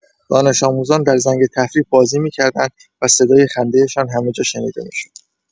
دانش‌آموزان در زنگ تفریح بازی می‌کردند و صدای خنده‌شان همه جا شنیده می‌شد.